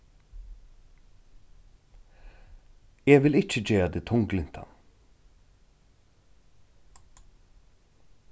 eg vil ikki gera teg tunglyntan